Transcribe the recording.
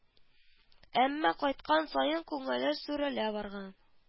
Әмма кайткан саен күңеле сүрелә барган